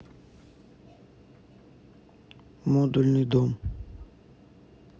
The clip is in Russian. модульный дом